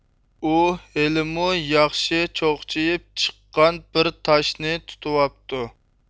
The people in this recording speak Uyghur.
ئۇ ھېلىمۇ ياخشى چوقچىيىپ چىققان بىر تاشنى تۇتۇۋاپتۇ